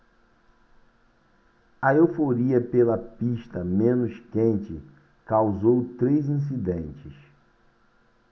a euforia pela pista menos quente causou três incidentes